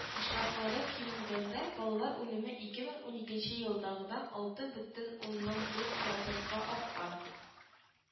Очраклары кимегәндә, балалар үлеме ике мең уникенче елдагыдан алты бөтен уннан дурт процентка арткан